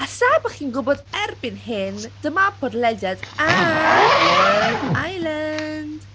A os na bod chi'n gwybod erbyn hyn dyma bodlediad am Love Island.